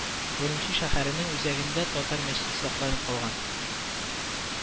Урумчи шәһәренең үзәгендә Татар мәчете сакланып калган